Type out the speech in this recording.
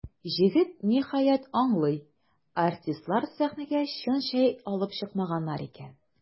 Җегет, ниһаять, аңлый: артистлар сәхнәгә чын чәй алып чыкмаганнар икән.